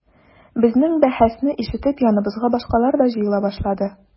Безнең бәхәсне ишетеп яныбызга башкалар да җыела башлады.